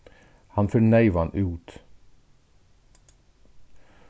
hann fer neyvan út